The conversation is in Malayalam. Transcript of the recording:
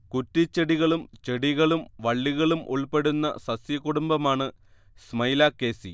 കുറ്റിച്ചെടികളും ചെടികളും വള്ളികളും ഉൾപ്പെടുന്ന സസ്യകുടുംബമാണ് സ്മൈലാക്കേസീ